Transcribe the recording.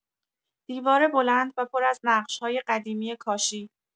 دیوار بلند و پر از نقش‌های قدیمی کاشی